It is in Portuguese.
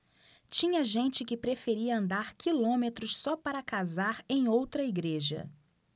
tinha gente que preferia andar quilômetros só para casar em outra igreja